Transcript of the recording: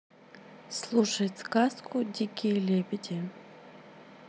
слушать сказку дикие лебеди